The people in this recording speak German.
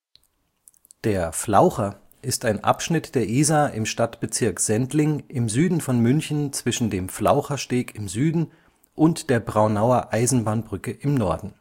Der Flaucher ist ein Abschnitt der Isar im Stadtbezirk Sendling im Süden von München zwischen dem Flauchersteg im Süden und der Braunauer Eisenbahnbrücke im Norden